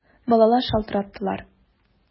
Балалар шалтыраттылар!